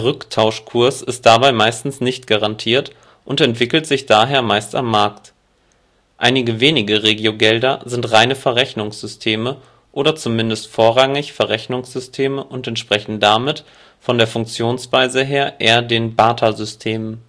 Rücktauschkurs ist dabei meistens nicht garantiert und entwickelt sich daher meist am Markt. Einige wenige Regiogelder sind reine Verrechnungssysteme oder zumindest vorranging Verrechnungssysteme und entsprechen damit von der Funktionsweise eher den Bartersystemen